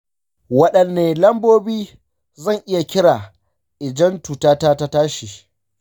wadanne lambobi zan iya kira idan cutata ta tashi?